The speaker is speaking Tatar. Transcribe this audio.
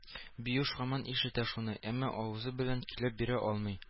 Биюш һаман ишетә шуны, әмма авызы белән көйләп бирә алмый.